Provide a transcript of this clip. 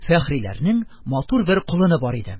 Фәхриләрнең матур бер колыны бар иде.